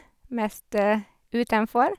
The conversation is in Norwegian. Mest utenfor.